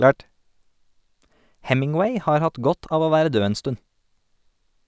Hemingway har hatt godt av å være død en stund.